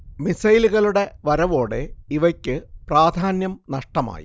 മിസൈലുകളുടെ വരവോടെ ഇവയ്ക്കു പ്രാധാന്യം നഷ്ടമായി